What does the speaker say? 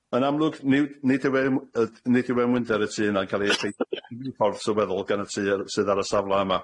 Yn amlwg niwd- nid yw yr yym- yy nid yw amwynder y tŷ yna'n ca'l ei effeithio mewn ffordd sylweddol gan y tŷ ar y- sydd ar y safle yma.